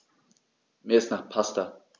Mir ist nach Pasta.